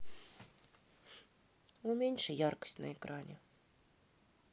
уменьши яркость на экране